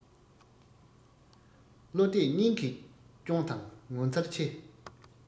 བློ གཏད སྙིང གིས སྐྱོང དང ངོ མཚར ཆེ